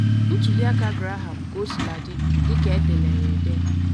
Ntuli aka Graham, kosiladị, dịka edeela ya ede.